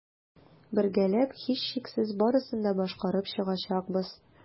Бергәләп, һичшиксез, барысын да башкарып чыгачакбыз.